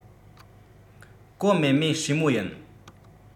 ཀུའོ མའེ མའེ སྲས མོ ཡིན